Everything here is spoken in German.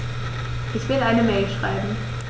Ich will eine Mail schreiben.